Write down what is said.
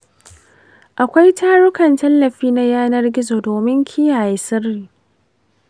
akwai tarukan tallafi na yanar gizo domin kiyaye sirri.